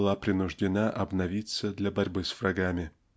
была принуждена обновиться для борьбы с врагами.